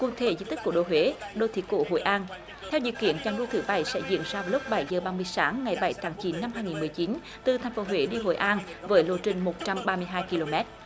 quần thể di tích cố đô huế đô thị cổ hội an theo dự kiến trong lúc thứ bảy sẽ diễn ra vào lúc bảy giờ ba mươi sáng ngày bảy tháng chín năm hai nghìn mười chín từ thành phố huế đi hội an với lộ trình một trăm ba mươi hai ki lô mét